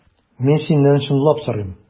Мин синнән чынлап сорыйм.